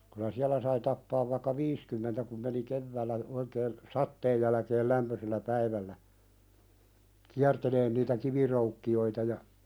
kyllä siellä sai tappaa vaikka viisikymmentä kun meni keväällä oikein sateen jälkeen lämpöisellä päivällä kiertelemään niitä kiviröykkiöitä ja